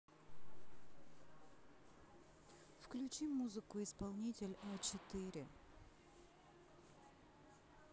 включи музыку исполнитель а четыре